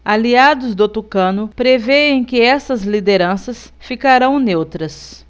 aliados do tucano prevêem que essas lideranças ficarão neutras